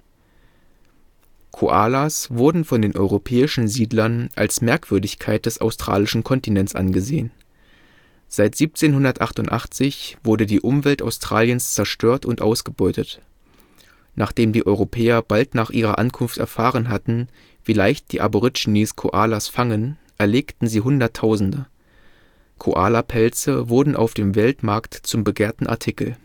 Koalas wurden von den europäischen Siedlern als Merkwürdigkeit des australischen Kontinents angesehen. Seit 1788 wurde die Umwelt Australiens zerstört und ausgebeutet. Nachdem die Europäer bald nach ihrer Ankunft erfahren hatten, wie leicht die Aborigines Koalas fangen, erlegten sie Hunderttausende. Koalapelze wurden auf dem Weltmarkt zum begehrten Artikel